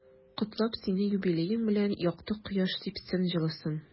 Котлап сине юбилеең белән, якты кояш сипсен җылысын.